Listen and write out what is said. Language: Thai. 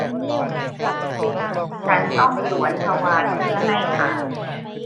ฉันต้องสวนทวารเพื่อให้ถ่าย